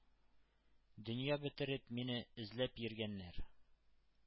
Дөнья бетереп мине эзләп йөргәннәр.